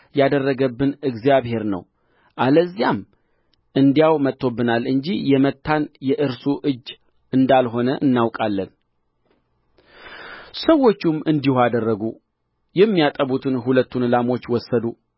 ያደረገብን እግዚአብሔር ነው አለዚያም እንዲያው መጥቶብናል እንጂ የመታን የእርሱ እጅ እንዳልሆነ እናውቃለን ሰዎቹም እንዲሁ አደረጉ የሚያጠቡትን ሁለቱን ላሞች ወሰዱ